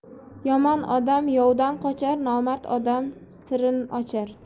yomon odam yovdan qochar nomard odam siring ochar